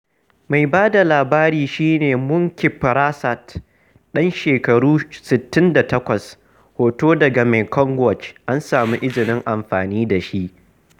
Mai ba da labarin shi ne Mun Kimprasert, ɗan shekaru 68, Hoto daga Mekong Watch, an samu izinin amfani da shi.